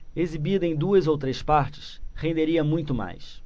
exibida em duas ou três partes renderia muito mais